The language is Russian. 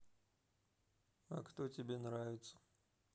а кто тебе нравится